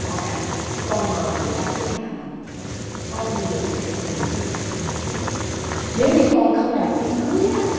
con à con mời người ta tới nhà mình còn phải giữ thể diện cho nhà mình chứ nếu như con không đồng ý cưới á